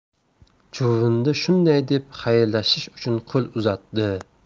chuvrindi shunday deb xayrlashish uchun qo'l uzatdi